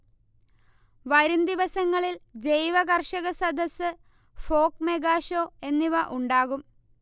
വരുംദിവസങ്ങളിൽ ജൈവകർഷകസദസ്സ്, folk mega show എന്നിവ ഉണ്ടാകും